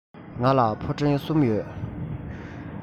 ང ལ ཕུ འདྲེན གསུམ ཡོད